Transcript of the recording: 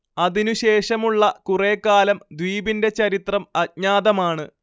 അതിനു ശേഷമുള്ള കുറേ കാലം ദ്വീപിന്റെ ചരിത്രം അജ്ഞാതമാണ്